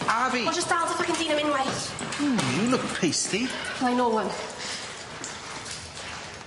A fi! wel jyst dal dy ffycin hun am unwaith. W you look pasty. Nine owe one.